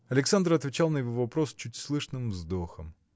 Александр отвечал на его вопрос чуть слышным вздохом.